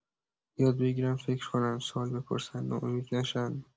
یاد بگیرن فکر کنن، سوال بپرسن، ناامید نشن.